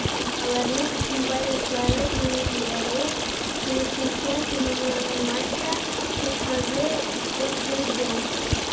Аларны Ишембай яклары урләре тулысынча тәмамланмаса очрагы теркәлгән.